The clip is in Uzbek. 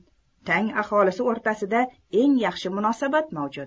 tang aholisi o'rtasida eng yaxshi munosabat mavjud